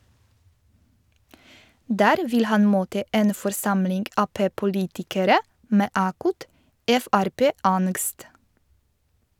Der vil han møte en forsamling Ap-politikere med akutt Frp-angst.